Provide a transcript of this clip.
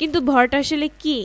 কিন্তু ভরটা আসলে কী